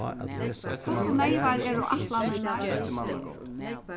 hvussu neyvar eru ætlanirnar